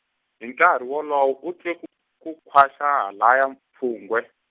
hi nkarhi wolowo u twe k-, ku khwaxa halahaya mpfungwe.